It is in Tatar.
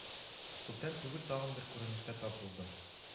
Кγптән тγгел тагын бер кγренешкә тап булдым